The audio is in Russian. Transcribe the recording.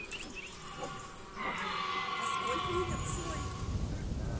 во сколько умер цой